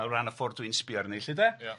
O ran y ffordd dw i'n sbïo arni 'lly 'de. Ia.